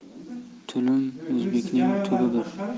tulum o'zbekning tubi bir